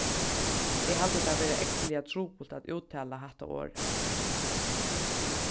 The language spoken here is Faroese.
eg haldi tað vera ógvuliga trupult at úttala hatta orðið